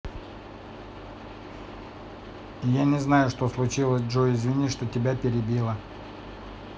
я не знаю что случилось джой извини что тебя перебила